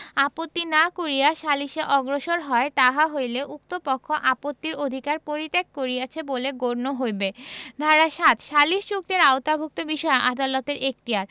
আপত্তি না করিয়া সালিসে অগ্রসর হয় তাহা হইলে উক্ত পক্ষ আপত্তির অধিকার পরিত্যাগ করিয়াছে বলিয়া গণ্য হইবে ধারা ৭ সালিস চুক্তির আওতাভুক্ত বিষয়ে আদালতের এখতিয়ার